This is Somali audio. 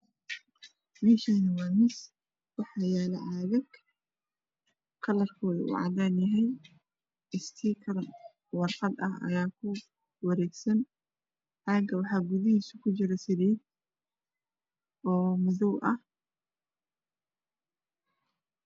Meeshaan waa miis waxaa yaalo caagag kalaradoodu uu cadaan yahay istiikar warqad ah ayaa ku wareegsan caaga waxaa gudihiisa ku jira saliid oo madow ah